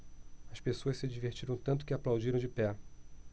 as pessoas se divertiram tanto que aplaudiram de pé